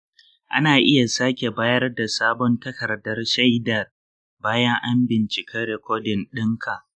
ana iya sake bayar da sabon takardar shaidar bayan an bincika rikodin ɗin ka.